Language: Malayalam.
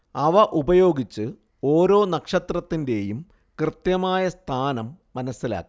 അവയുപയോഗിച്ച് ഒരോ നക്ഷത്രത്തിന്റെയും കൃത്യമായ സ്ഥാനം മനസ്സിലാക്കാം